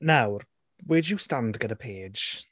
Nawr, where do you stand gyda Paige?